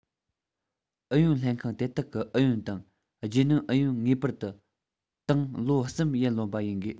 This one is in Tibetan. ཨུ ཡོན ལྷན ཁང དེ དག གི ཨུ ཡོན དང རྗེས སྣོན ཨུ ཡོན ངེས པར དུ ཏང ལོ གསུམ ཡན ལོན པ ཡིན དགོས